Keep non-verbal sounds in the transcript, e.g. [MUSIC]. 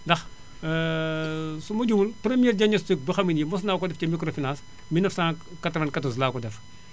ndax [HESITATION] su ma juumul premier diagnostique boo xam ne nii mos naa ko def ci microfinance 1994 laa ko def